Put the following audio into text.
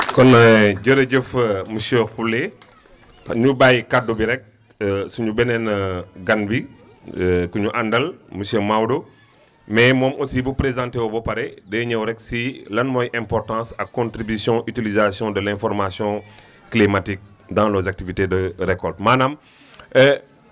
kon jërëjëf monsieur Khoule ñu bàyyi kaddu bi rek suñu beneen gan wi ku ñu àndal monsieur Maodo mais moom aussi bu présenté woo ba pare day ñëw rek si lan mooy importance ak contribution utilisation de l' information climatique dans nos activités de récoltes maanaam